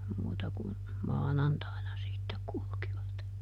muuta kuin maanantaina sitten kulkivat